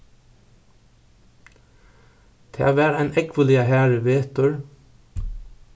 tað var ein ógvuliga harður vetur